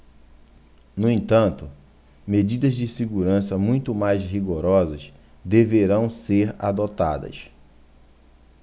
no entanto medidas de segurança muito mais rigorosas deverão ser adotadas